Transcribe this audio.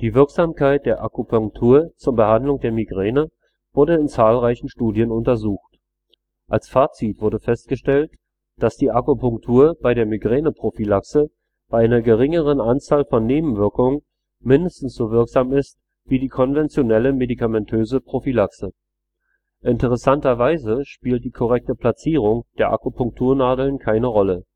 Wirksamkeit der Akupunktur zur Behandlung der Migräne wurde in zahlreichen Studien untersucht. Als Fazit wurde festgestellt, dass die Akupunktur bei der Migräneprophylaxe bei einer geringeren Anzahl an Nebenwirkungen mindestens so wirksam ist wie die konventionelle medikamentöse Prophylaxe. Interessanterweise spielt die korrekte Platzierung der Akupunkturnadeln keine Rolle